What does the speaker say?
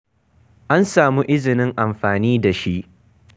an samu izinin amfani da shi.